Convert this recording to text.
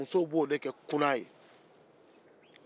muso b'o de kɛ kunan ye